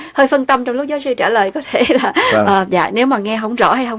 hơi phân tâm trong lúc giáo sư trả lời có thể là dạ nếu mà nghe hổng rõ hay hổng